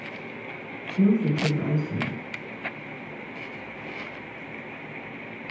músin kemur eisini